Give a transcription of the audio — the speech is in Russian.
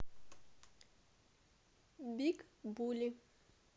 биг булли